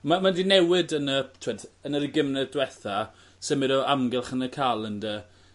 Ma' ma' 'di newid yn y t'wod yn yr ugen mlynedd dwetha symud o amgylch yn y calendy